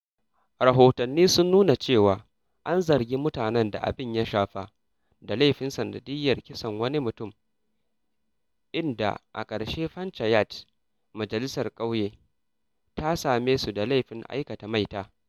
Rahotanni sun nuna cewa, an zargi mutanen da abin ya shafa da laifin sanadiyyar kisan wani mutum, inda a ƙarshe Panchayat (majalisar ƙauye) ta same su da laifin aikata maita.